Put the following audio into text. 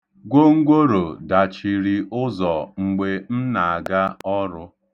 Gwongworo dachiri ụzọ mgbe m na-aga ọrụ.